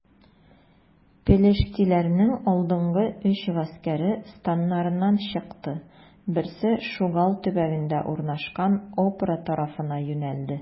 Пелештиләрнең алдынгы өч гаскәре, станнарыннан чыкты: берсе Шугал төбәгендә урнашкан Опра тарафына юнәлде.